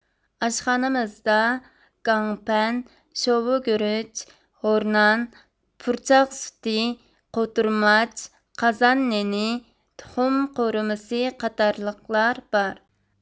ئاشخانىمىزدا گاڭپەن شوۋىگۈرۈچ ھورنان پۇرچاق سۈتى قوتۇرماچ قازان نېنى تۇخۇم قورۇمىسى قاتارلىقلار بار